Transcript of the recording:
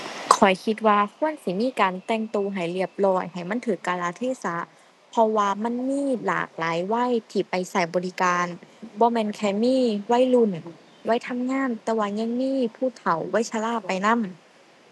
ข้อยคิดว่าควรสิมีการแต่งตัวให้เรียบร้อยให้มันตัวกาลเทศะ เพราะว่ามันมีหลากหลายวัยที่ไปตัวบริการ บ่แม่นแค่มีวัยรุ่น วัยทำงาน แต่ว่ายังมีผู้เฒ่าวัยชราไปนำ